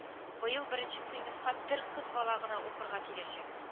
Быел беренче сыйныфка бер кыз бала гына укырга киләчәк